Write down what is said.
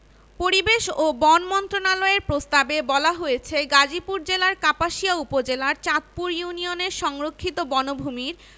পরিবেশ ও বন মন্ত্রণালয়ের প্রস্তাবে বলা হয়েছে গাজীপুর জেলার কাপাসিয়া উপজেলার চাঁদপুর ইউনিয়নের সংরক্ষিত বনভূমির